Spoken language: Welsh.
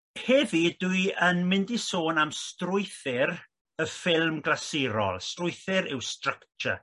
heddi' dwi yn mynd i sôn am strwythur y ffilm glasurol strwythur yw structure